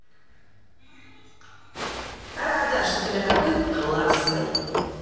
рада что ты у меня такой классный